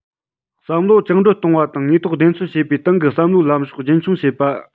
བསམ བློ བཅིངས འགྲོལ གཏོང བ དང དངོས ཐོག བདེན འཚོལ བྱེད པའི ཏང གི བསམ བློའི ལམ ཕྱོགས རྒྱུན འཁྱོངས བྱེད པ